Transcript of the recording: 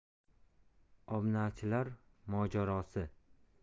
obnalchilar mojarosi